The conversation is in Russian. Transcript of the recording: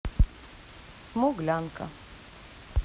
смуглянка